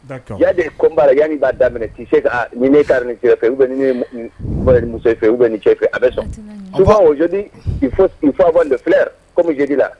Ja de kobara yanani b'a daminɛ' se ka nine kafɛ fɛ u bɛ ne fɛ u bɛ nin cɛfɛ a bɛ sɔn tu ofa fɔ filɛ kɔmi jeli la